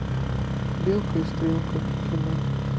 белка и стрелка кино